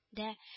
Дә